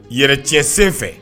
Yɛrɛrec sen fɛ